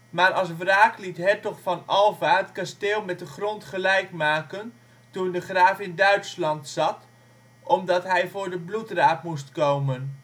Maar als wraak liet Hertog van Alva het kasteel met de grond gelijk maken toen de graaf in Duitsland zat, omdat hij voor de bloedraad moest komen